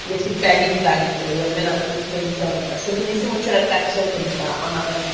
Wnes i bennu pethe angen i fi wneud a wedyn my- la-, yy mm, mynd i joino fe. So fi.. wnes i'm watsio'r e- episode cynta, ond ma' fe'n...